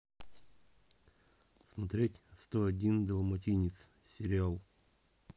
смотреть сто один далматинец сериал